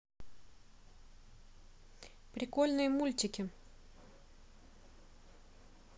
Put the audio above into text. прикольные мультики